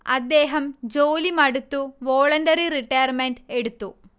അദ്ദേഹം ജോലി മടുത്തു വോളണ്ടറി റിട്ടയർമെന്റ് എടുത്തു